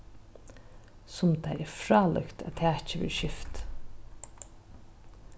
sum tað er frálíkt at takið verður skift